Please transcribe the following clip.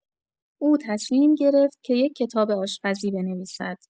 او تصمیم گرفت که یک کتاب آشپزی بنویسد.